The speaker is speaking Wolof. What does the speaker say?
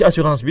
waaw